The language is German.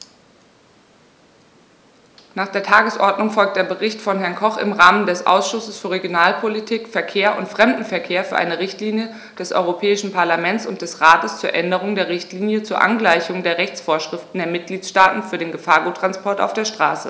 Nach der Tagesordnung folgt der Bericht von Herrn Koch im Namen des Ausschusses für Regionalpolitik, Verkehr und Fremdenverkehr für eine Richtlinie des Europäischen Parlament und des Rates zur Änderung der Richtlinie zur Angleichung der Rechtsvorschriften der Mitgliedstaaten für den Gefahrguttransport auf der Straße.